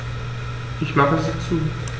Ich mache sie zu.